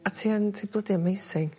A ti yn ti blydi amazing.